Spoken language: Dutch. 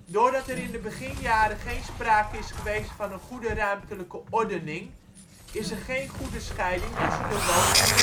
Doordat er in de beginjaren geen sprake is geweest van een goede ruimtelijke ordening, is er geen goede scheiding tussen de woon - en werkfuncties